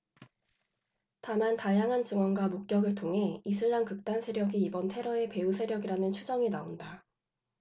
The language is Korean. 다만 다양한 증언과 목격을 통해 이슬람 극단 세력이 이번 테러의 배후세력이라는 추정이 나온다